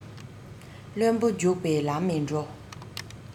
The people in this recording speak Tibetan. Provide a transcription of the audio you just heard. བློན པོ འཇུག པའི ལམ མི འགྲོ